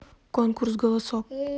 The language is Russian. конкурс голосок